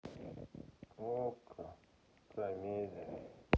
окко комедии